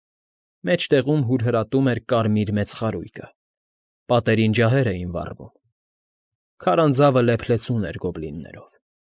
Մեջտեղում հուրհրատում էր կարմիր մեծ խարույկը, պատերին ջահերև էին վառվում, քարանձավը լեփլեցուն էր գոբլիններով։